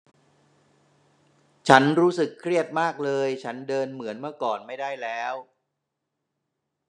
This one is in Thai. ฉันรู้สึกเครียดมากเลยฉันเดินเหมือนเมื่อก่อนไม่ได้แล้ว